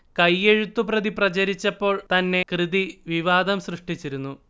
കയ്യെഴുത്തുപ്രതി പ്രചരിച്ചപ്പോൾ തന്നെ കൃതി വിവാദം സൃഷ്ടിച്ചിരുന്നു